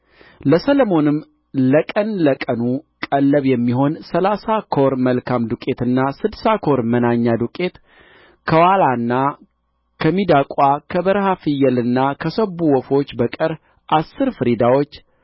ለሰሎሞንም ለቀን ለቀኑ ቀለብ የሚሆን ሠላሳ ኮር መልካም ዱቄትና ስድሳ ኮር መናኛ ድቄት ከዋላና ከሚዳቋ ከበረሀ ፍየልና ከሰቡ ወፎች በቀር አሥር ፍሪዳዎች